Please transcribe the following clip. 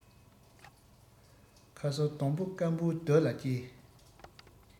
ཁ སུར སྡོང པོ སྐམ པོའི རྡོ ལ སྐྱེས